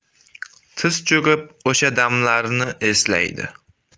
tiz cho'kib o'sha damlarni eslaydi